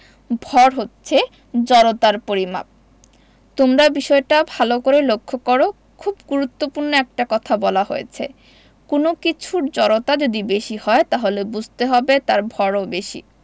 ভর হচ্ছে জড়তার পরিমাপ তোমরা বিষয়টা ভালো করে লক্ষ করো খুব গুরুত্বপূর্ণ একটা কথা বলা হয়েছে কোনো কিছুর জড়তা যদি বেশি হয় তাহলে বুঝতে হবে তার ভরও বেশি